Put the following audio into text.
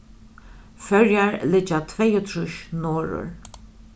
føroyar liggja tveyogtrýss norður